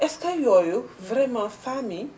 est ce que yooyu vraiment femmes yi